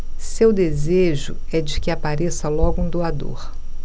seu desejo é de que apareça logo um doador